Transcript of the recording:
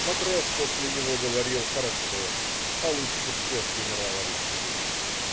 матрос после него говорил хорошо, а лучше всех генерал Алексеев.